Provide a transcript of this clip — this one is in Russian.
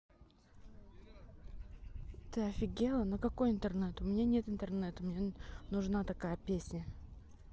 ты офигела на какой интернет у меня нет интернета мне нужна такая песня